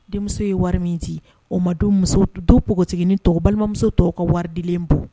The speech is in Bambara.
Denmuso ye wari min di o ma du muso du npogotigini tɔw balimamuso tɔw ka waridelen bɔ.